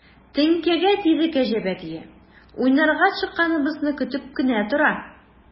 Теңкәгә тиде кәҗә бәтие, уйнарга чыкканыбызны көтеп кенә тора.